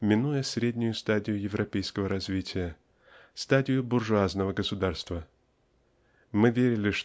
минуя среднюю стадию европейского развития стадию буржуазного государства. Мы верили